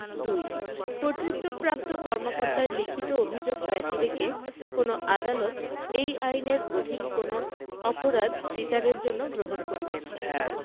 ২ কর্তৃত্বপ্রাপ্ত কর্মকর্তার লিখিত অভিযোগ ব্যতিরেকে কোন আদালত এই আইনের অধীন কোন অপরাধ বিচারের জন্য গ্রহণ করিবে না